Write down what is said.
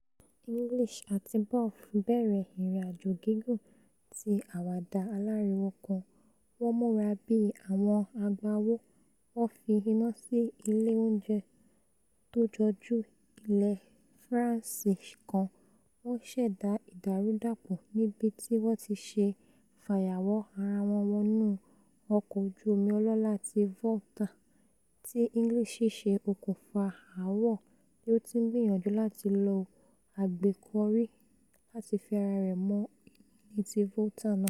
English ati Bough bẹ̀rẹ̀ ìrìn-àjò gígùn ti àwàdà aláriwo kan: wọ́n múra bíi àwọn agbáwo, wọn fi iná sí ilé oúnjẹ tójọjú ilẹ̀ Faranse kan; wọ́n ṣẹ̀dá ìdàrúdàpọ̀ nìbití wọ́n ti ṣe fàyàwọ́ ara wọn wọnú ọkọ̀ oju-omi ọlọ́lá ti Volta; ti English sì ṣe okùnfà aáwọ̀ bí ó ti ńgbìyànjú láti lo agbékọ́rí láti fi ara rẹ̀ mọ inu ilé ti Volta náà.